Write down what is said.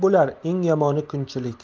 bo'lar eng yomoni kunchilik